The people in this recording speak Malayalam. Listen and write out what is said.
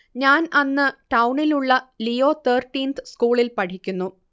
ഞാൻ അന്ന് ടൗണിൽ ഉള്ള ലീയോ തേർട്ടീന്ത് സ്കൂളിൽ പഠിക്കുന്നു